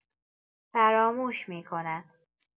فراموش می‌کند.